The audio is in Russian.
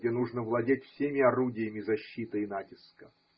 где нужно владеть всеми орудиями защиты и натиска.